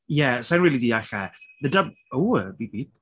Ie sa i'n really deall e the doub... Oh beep beep!